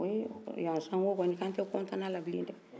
ko ee yan sanko kɔni ko an tɛ kɔntanna a la bile dɛɛ